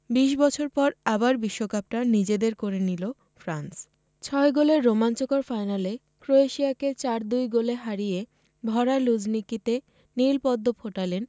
২০ বছর পর আবার বিশ্বকাপটা নিজেদের করে নিল ফ্রান্স ছয় গোলের রোমাঞ্চকর ফাইনালে ক্রোয়েশিয়াকে ৪ ২ গোলে হারিয়ে ভরা লুঝনিকিতে নীল পদ্ম ফোটালেন